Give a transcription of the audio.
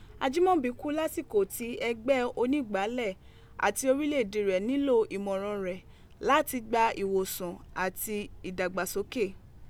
Ajimọbi kú lasiko ti ẹgbẹ Onígbàálẹ̀, ati orilẹ ede rẹ nilo imọran rẹ lati gba iwosan ati idagbasoke.